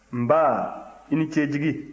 nba i ni ce jigi